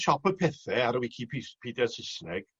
Siop y Pethe ar wicipedia Sysneg